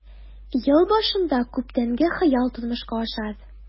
Ел башында күптәнге хыялың тормышка ашар.